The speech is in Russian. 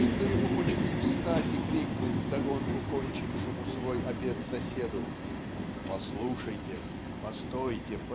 что ему хочется встать и крикнуть вдогонку кончившему свой обед соседу "Послушайте, постойте!